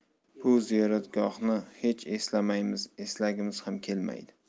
bu ziyoratgohni hech eslamaymiz eslagimiz ham kelmaydi